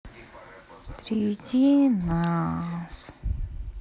среди нас